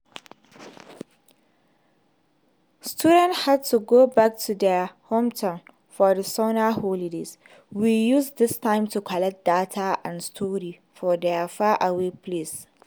Students had to go back to their hometown for the summer holidays: we used this time to collect data and stories from these far away places.